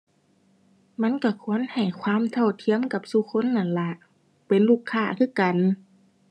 มันก็ควรให้ความเท่าเทียมกับซุคนนั่นล่ะ เป็นลูกค้าคือกัน